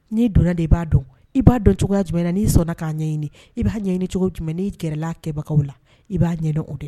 N'i donna de i b'a dɔn i b'a dɔncogo jumɛn n'i sɔnna k ka ɲɛɲini i b'a ɲɛɲini cogo jumɛn n'i kɛlɛla kɛbagaw la i b'a ɲɛ de la